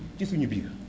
ci suñu biir